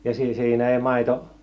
ja - siinä ei maito